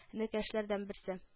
Энекәшләрдән берсе